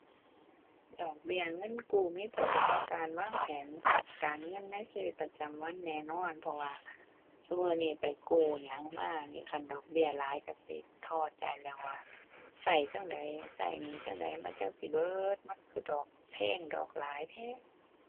ดอกเบี้ยเงินกู้มีผลต่อการวางแผนการเงินในชีวิตประจำวันแน่นอน เพราะว่าซุมื้อนี้ไปกู้หยังมานี่ คันดอกเบี้ยหลายก็สิท้อใจแล้วว่า ก็จั่ง ก็หนี้จั่งใด มันจั่งสิเบิด มันคือดอกแพง ดอกหลายแท้